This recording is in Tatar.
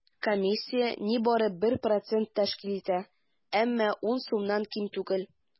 Комиссия нибары 1 процент тәшкил итә, әмма 10 сумнан ким түгел.